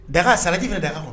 Daga sagaji daga kɔn